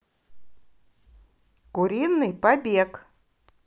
куриный побег